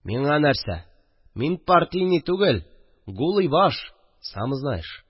Миңа нәрсә – мин партийный түгел, гулый баш – сам знаш